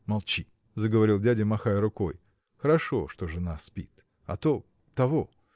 молчи, – заговорил дядя, махая рукой, – хорошо, что жена спит, а то. того.